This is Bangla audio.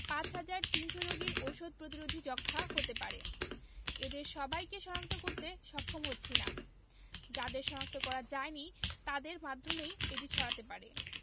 ৫ হাজার ৩০০ রোগীর ওষুধ প্রতিরোধী যক্ষ্মা হতে পারে এদের সবাইকে শনাক্ত করতে সক্ষম হচ্ছি না যাদের শনাক্ত করা যায়নি তাদের মাধ্যমেই এটি ছড়াতে পারে